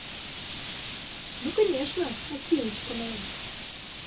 ну конечно афиночка моя